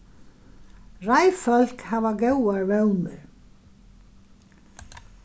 reiðfólk hava góðar vónir